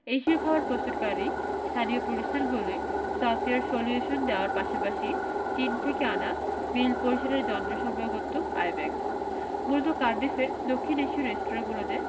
এশীয় খাবার প্রস্তুতকারী স্থানীয় প্রতিষ্ঠানগুলোয় সফটওয়্যার সলিউশন দেওয়ার পাশাপাশি চীন থেকে আনা বিল পরিশোধের যন্ত্র সরবরাহ করত আইব্যাকস মূলত কার্ডিফের দক্ষিণ এশীয় রেস্তোরাঁগুলোতে